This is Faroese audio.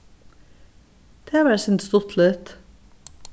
tað var eitt sindur stuttligt